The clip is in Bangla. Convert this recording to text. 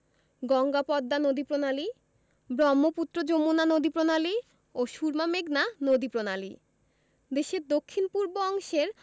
গঙ্গা পদ্মা নদীপ্রণালী ব্রহ্মপুত্র যমুনা নদীপ্রণালী ও সুরমা মেঘনা নদীপ্রণালী দেশের দক্ষিণ পূর্ব অংশের